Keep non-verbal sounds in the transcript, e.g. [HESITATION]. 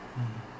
[HESITATION] [HESITATION]